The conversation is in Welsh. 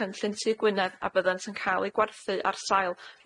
cynllun Tŷ Gwynedd a byddent yn cael eu gwerthu ar sail